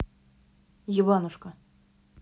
ебанушка